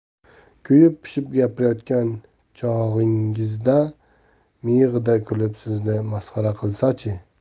kuyib pishib gapirayotgan chog'ingizda miyig'ida kulib sizni masxara qilsa chi